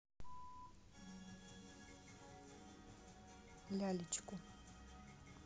лялечку